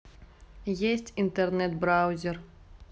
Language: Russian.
есть интернет браузер